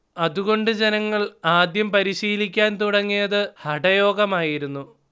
അതുകൊണ്ട് ജനങ്ങൾ ആദ്യം പരിശീലിക്കാൻ തുടങ്ങിയത് ഹഠയോഗമായിരുന്നു